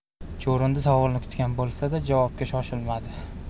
chuvrindi savolni kutgan bo'lsa da javobga shoshilmadi